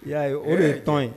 I y'a ye o de ye tɔn ye